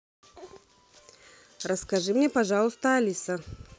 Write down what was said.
расскажи мне пожалуйста алиса